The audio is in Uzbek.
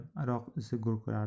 aroq isi gurkirardi